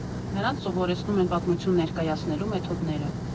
Նրանց սովորեցնում են պատմություն ներկայացնելու մեթոդները.